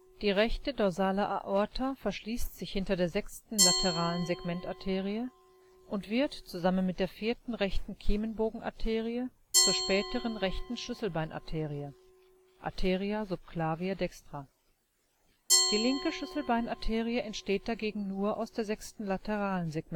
Die rechte dorsale Aorta verschließt sich hinter der sechsten lateralen Segmentarterie und wird zusammen mit der vierten rechten Kiemenbogenarterie zur späteren rechten Schlüsselbeinarterie (Arteria subclavia dextra). Die linke Schlüsselbeinarterie entsteht dagegen nur aus der sechsten lateralen Segmentarterie